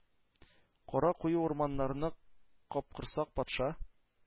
Кара куе урманнарны капкорсак патша